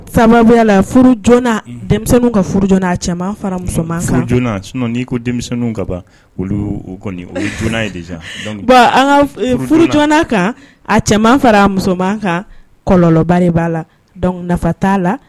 Samaya la ka fara ko denmisɛnnin ka ban bɔn kan a fara musoman kan kɔlɔlɔba b'a la nafa t' la